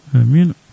amine